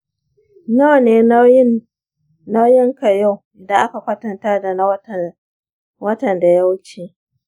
nawa ne nauyin ka yau idan aka kwatanta dana watan da ya wuce?